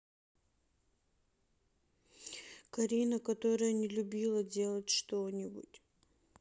карина которая не любила делать что нибудь